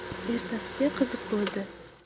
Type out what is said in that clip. ertasiga qiziq bo'ldi